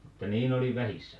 että niin oli vähissä